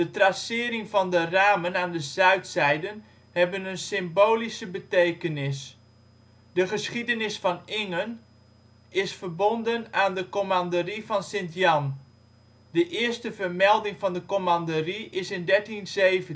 tracering van de ramen aan de zuidzijde hebben een symbolische betekenis. De geschiedenis van Ingen is verbonden aan de Commanderie van St. Jan. De eerste vermelding van de Commanderie is van 1317